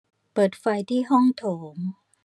เปิดไฟที่ห้องโถง